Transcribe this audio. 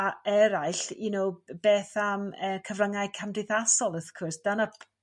a eraill you know beth am e cyfryngau cymdeithasol? Wrth cwrs dyna